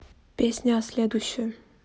песня а следующую